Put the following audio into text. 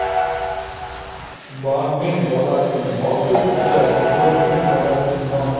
borning bolasi mol deb turar yo'qning bolasi non